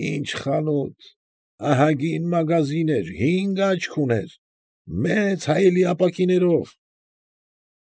Ի՛նչ խանութ, ահագին մագազին էր, հինգ աչք ուներ, մեծ հայելի ապակիներով։